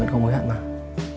không hối hận mà